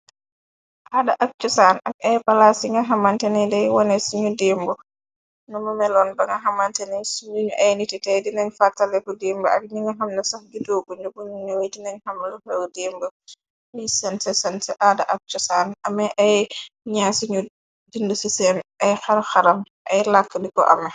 Aada ak cosaan ak ay palaas yi nga xamanteni dey wone ci ñu diimb numa meloon ba nga xamanteni siñu ñu ay niti te dinañ fartaleku diimb ak ñi nga xamna sax giduubu nu buñu ñu we dinañ xamlu xëg diimb mi san ci san ci aada ak cosaan ame ay ñaa ci ñu dind ci seem ay xar-xaram ay làkk diko ame.